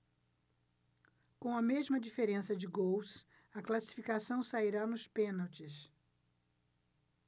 com a mesma diferença de gols a classificação sairá nos pênaltis